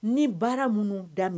Ni baara minnu daminɛ